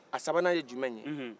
a sabanan ye jumɛ ye hun hun